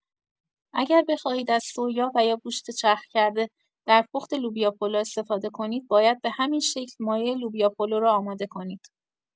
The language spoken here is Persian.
اگر بخواهید از سویا و یا گوشت چرخ کرده در پخت لوبیا پلو استفاده کنید باید به همین شکل مایه لوبیا پلو را آماده کنید.